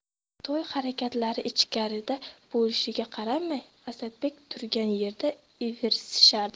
to'y harakatlari ichkarida bo'lishiga qaramay asadbek turgan yerda ivirsishardi